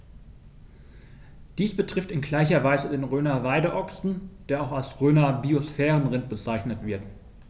Dies betrifft in gleicher Weise den Rhöner Weideochsen, der auch als Rhöner Biosphärenrind bezeichnet wird.